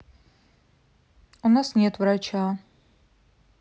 у нас нет врача